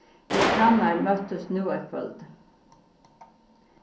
vit grannar møttust nú eitt kvøldið